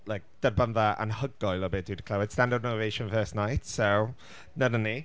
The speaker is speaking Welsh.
like derbynfa anhygoel o be dwi 'di clywed. Standing ovation first night so, dyna ni.